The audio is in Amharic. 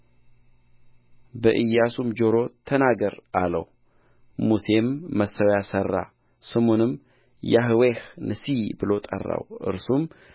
በኢያሱም ጆሮ ተናገር አለው ሙሴም መሠዊያ ሠራ ስሙንም ይህዌህ ንሲ ብሎ ጠራው እርሱም